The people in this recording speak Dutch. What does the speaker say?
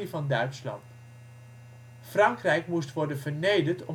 van Duitsland. Frankrijk moest worden vernederd